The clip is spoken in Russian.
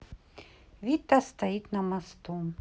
витас стоит на мосту